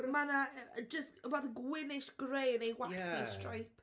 Mae 'na jyst rywbeth gwynish-grey yn ei wallt hi'n streip.